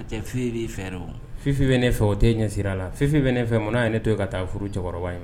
A cɛ fi fɛ fifin bɛ ne fɛ o tɛ ɲɛ sira la fifin bɛ ne fɛ munna ye ne to ka taa furu cɛkɔrɔba ye